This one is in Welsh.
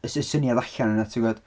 Y s- syniad allan yna tibod?